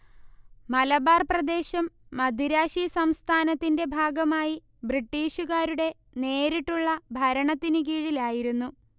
മലബാർ പ്രദേശം മദിരാശി സംസ്ഥാനത്തിന്റെ ഭാഗമായി ബ്രിട്ടീഷുകാരുടെ നേരിട്ടുള്ള ഭരണത്തിനു കീഴിലായിരുന്നു